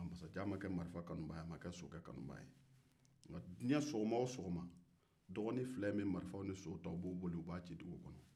masajan ma kɛ sokɛ kanubaga ye a ma kɛ marifa kanubaga ye diɲɛ sɔgɔma o sɔgɔma dɔgɔni fila in sokɛ ani ka marifaw ci dugu kɔnɔ